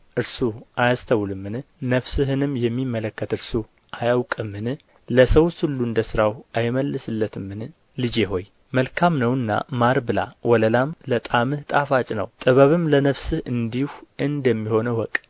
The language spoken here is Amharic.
እርሱ አያስተውልምን ነፍስህንም የሚመለከት እርሱ አያውቅምን ለሰውስ ሁሉ እንደ ሥራው አይመልስለትምን ልጄ ሆይ መልካም ነውና ማር ብላ ወለላም ለጣምህ ጣፋጭ ነው ጥበብም ለነፍስህ እንዲሁ እንደሚሆን እወቅ